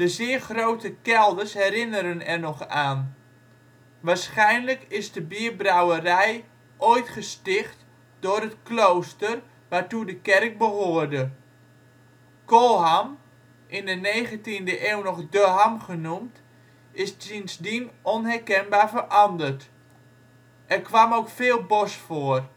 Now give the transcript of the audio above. zeer grote kelders herinneren er nog aan. Waarschijnlijk is de bierbrouwerij ooit gesticht door het klooster, waartoe de kerk behoorde. Kolham, in de 19e eeuw nog De Ham genoemd, is sindsdien onherkenbaar veranderd. Er kwam ook veel bos voor